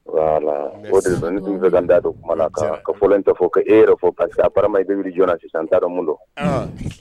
O de ni bɛ dan da donumana ka fɔ in tɛ fɔ ka e yɛrɛ fɔ parce ama i bɛbiri jɔna sisan an taara mun don